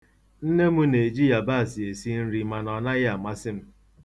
Nne m na-eji yabaasị esi nri, mana ọ naghị amasị m.